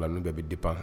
N' bɛɛ bɛ di' la